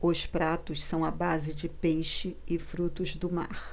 os pratos são à base de peixe e frutos do mar